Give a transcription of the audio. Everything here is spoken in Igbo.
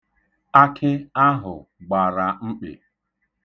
Akị ahụ gbara mkpị.